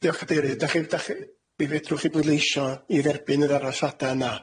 Diolch, Cadeirydd. Dach chi'n- dach chi-... Mi fedrwch chi bleidleisio i dderbyn yr aralliada' yna.